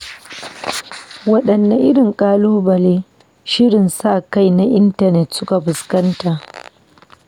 Waɗanne irin ƙalubale shirin sa-kai na intanet suke fuskanta?